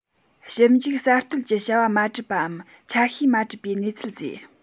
ཞིབ འཇུག གསར གཏོད ཀྱི བྱ བ མ གྲུབ པའམ ཆ ཤས མ གྲུབ པའི གནས ཚུལ བཟོས